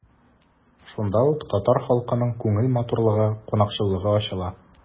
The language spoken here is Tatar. Шунда ук татар халкының күңел матурлыгы, кунакчыллыгы ачыла.